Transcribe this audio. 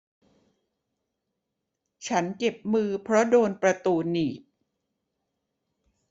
ฉันเจ็บมือเพราะโดนประตูหนีบ